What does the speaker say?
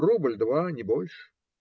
Рубль-два, не больше.